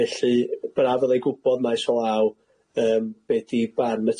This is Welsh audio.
felly braf fyddai gwbod maes o law yym be' 'di barn y